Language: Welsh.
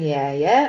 Ie ie.